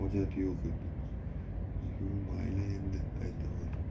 edi yu mayli endi aytaman